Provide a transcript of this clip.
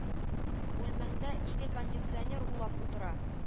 Бүлмәңдә ике кондиционер улап утыра